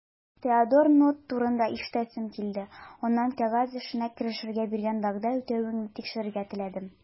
Теодор Нотт турында ишетәсем килде, аннан кәгазь эшенә керешергә биргән вәгъдә үтәвеңне тикшерергә теләдем.